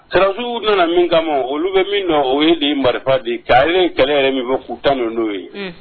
Siranrankuluw nana min kama olu bɛ min na o ye nin marifa de kare nin kɛlɛ yɛrɛ min fɔ futau tan ninnu'o ye